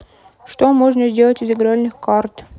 что можно сделать из игральных карт